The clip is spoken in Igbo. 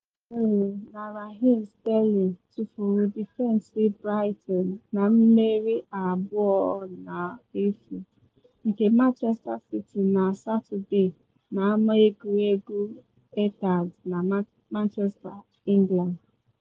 Sergio Aguero na Raheem Sterling tufuru defensị Brighton na mmeri 2-0 nke Manchester City na Satọde na Ama Egwuregwu Etihad na Manchester, England.